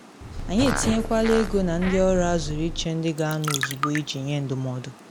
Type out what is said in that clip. Anyị etinyekwala ego na ndị ọrụ azụrụ iche ndị ga-anọ ozugbo iji nye ndụmọdụ.